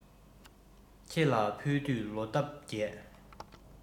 ཁྱེད ལ ཕུལ དུས ལོ འདབ རྒྱས